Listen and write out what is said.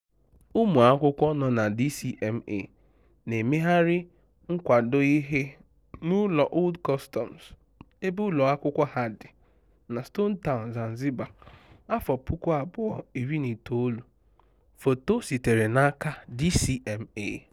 Ụmụakwụkwọ nọ na DCMA na-emegharị nkwado ihe na Ụlọ Old Customs , ebe ụlọakwụkwọ ahụ dị, na Stone Town, Zanzibar, 2019. Foto sitere n'aka DCMA.